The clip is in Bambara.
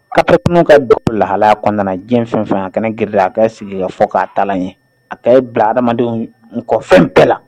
lahalaya kɔnɔna na diɲɛ fɛn o fɛn a kana girin dɛ a ka sigikafɔ k'a taalan ye a ka bila hadamadenw kɔ fɛn bɛɛ la